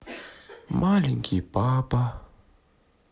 маленький папа